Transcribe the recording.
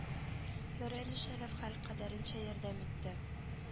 Ярый әле шәрәф хәл кадәренчә ярдәм итте